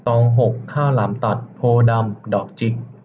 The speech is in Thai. ตองหกข้าวหลามตัดโพธิ์ดำดอกจิก